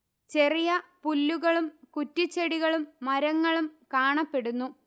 ചെറിയ പുല്ലുകളും കുറ്റിച്ചെടികളും മരങ്ങളും കാണപ്പെടുന്നു